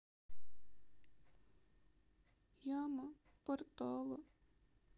яма портала